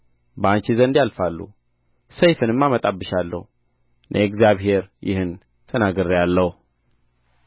በአንቺ ዘንድ ያልፋሉ ሰይፍንም አመጣብሻለሁ እኔ እግዚአብሔር ይህን ተናግሬአለሁ